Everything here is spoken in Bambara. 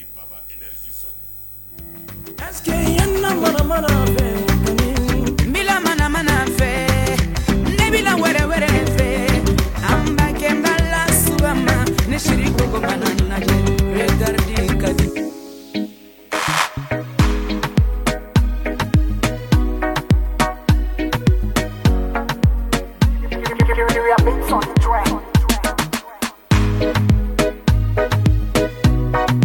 Lakɔrɔ fɛbmana mana fɛ tile bɛ wɛrɛ wɛrɛ fɛ an bɛ kɛba la ma ni siriku lalakari ka